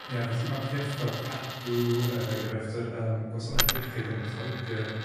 Ie, felly ma' cyrff fel Cadw, er enghraifft yr yym gwasanaeth iechyd yn Lloegyr